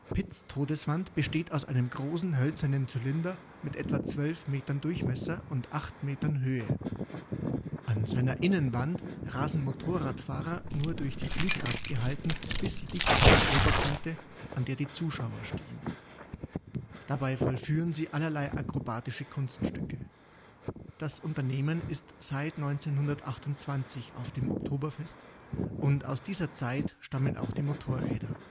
Pitt’ s Todeswand besteht aus einem großen, hölzernen Zylinder von etwa zwölf Metern Durchmesser und acht Metern Höhe. An seiner Innenwand rasen Motorradfahrer nur durch die Fliehkraft gehalten bis dicht an die Oberkante, an der die Zuschauer stehen. Dabei vollführen sie allerlei akrobatische Kunststücke. Das Unternehmen ist seit 1928 auf dem Oktoberfest und aus dieser Zeit stammen auch die Motorräder